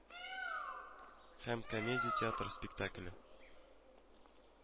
Һәм комедия театры спектакле